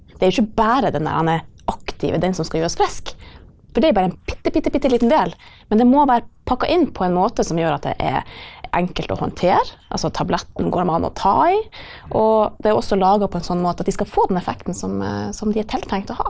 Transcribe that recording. det er jo ikke bare den derre aktive den som skal gjøre oss friske, for det er jo bare en bitte bitte bitte liten del, men den må være pakka inn på en måte som gjør at det er enkelt å håndtere, altså tabletten går an å ta i, og det er også laga på en sånn måte at de skal få den effekten som som de er tiltenkt å ha.